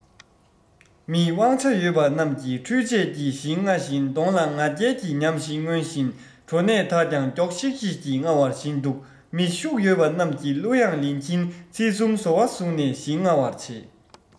མི དབང ཆ ཡོད པ རྣམས ཀྱིས འཕྲུལ ཆས ཀྱིས ཞིང རྔ བཞིན གདོང ལ ང རྒྱལ གྱི ཉམས ཤིག མངོན བཞིན གྲོ ནས དག མགྱོགས ཤིག ཤིག གིས རྔ བཞིན འདུག མི ཤུགས ཡོད པ རྣམས ཀྱིས གླུ དབྱངས ལེན གྱིན ཚེས གསུམ ཟོར བ བཟུང ནས ཞིང རྔ བར བྱེད